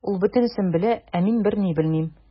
Ул бөтенесен белә, ә мин берни белмим.